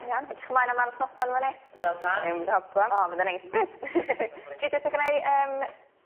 Chi'n iawn? Edrych ymlaen am aros noson efo ni? Yndw tad. Dim problem o fydd e'n neis bydd? Dri beth ma' gennai yym